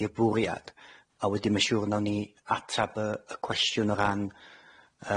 di'r bwriad a wedyn ma' siŵr 'nawn ni atab y y cwestiwn o ran